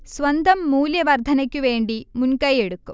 സ്വന്തം മൂല്യ വർധ്നക്ക് വേണ്ടി മുൻ കൈ എടുക്കും